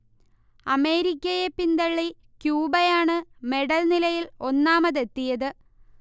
അമേരിക്കയെ പിന്തള്ളി ക്യൂബയാണ് മെഡൽനിലയിൽ ഒന്നാമതെത്തിയത്